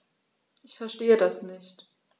Verstehe das nicht.